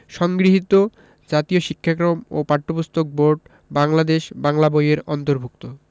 সংগৃহীত জাতীয় শিক্ষাক্রম ও পাঠ্যপুস্তক বোর্ড বাংলাদেশ বাংলা বই এর অন্তর্ভুক্ত